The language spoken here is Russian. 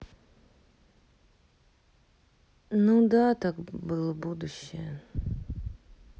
ну да так было будущее